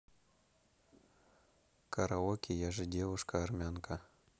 караоке я же девушка армянка